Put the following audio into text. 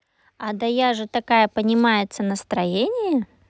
а да я же такая понимается настроение